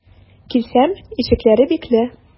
Килсәм, ишекләре бикле.